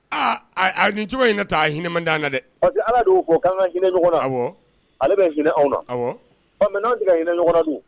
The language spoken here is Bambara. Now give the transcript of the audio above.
Aa a ni cogo ɲini ta a hinɛ man d na dɛ ɔ ala don ko k'an ka hinɛ jinɛ ɲɔgɔn na a ma ale bɛ hinɛ anw ma a ma ɔ'an ka hinɛ ɲɔgɔn don